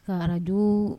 Faraj